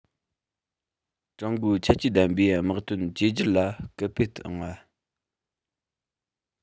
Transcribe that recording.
ཀྲུང གོའི ཁྱད ཆོས ལྡན པའི དམག དོན བཅོས བསྒྱུར ལ སྐུལ སྤེལ བཏང བ